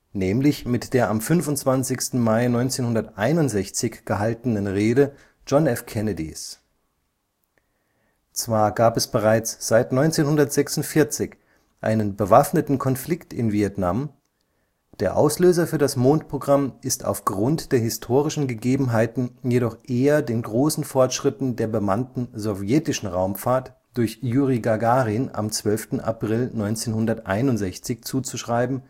nämlich mit der am 25. Mai 1961 gehaltenen Rede John F. Kennedys (Anhören? / i, Text). Zwar gab es bereits seit 1946 einen bewaffneten Konflikt in Vietnam; der Auslöser für das Mondprogramm ist auf Grund der historischen Gegebenheiten jedoch eher den großen Fortschritten der bemannten sowjetischen Raumfahrt durch Juri Gagarin am 12. April 1961 zuzuschreiben